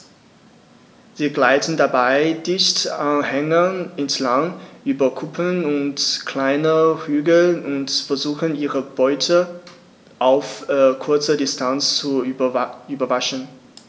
Sie gleiten dabei dicht an Hängen entlang, über Kuppen und kleine Hügel und versuchen ihre Beute auf kurze Distanz zu überraschen.